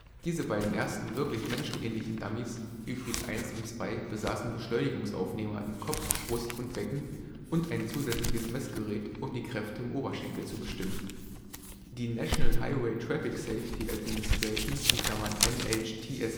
Diese beiden ersten, wirklich menschenähnlichen Dummies Hybrid I/II besaßen Beschleunigungsaufnehmer in Kopf, Brust und Becken und ein zusätzliches Messgerät, um die Kräfte im Oberschenkel zu bestimmen. Die National Highway Traffic Safety Administration (NHTSA